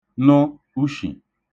nụ ushì